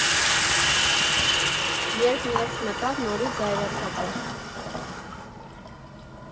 Երբ ներս մտավ, նորից զայրացած էր։